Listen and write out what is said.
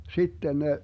sitten ne